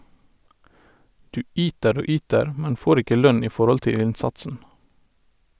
Du yter og yter, men får ikke lønn i forhold til innsatsen.